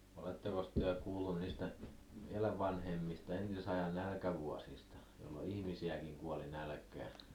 olettekos te kuullut niistä vielä vanhemmista entisajan nälkävuosista jolloin ihmisiäkin kuoli nälkään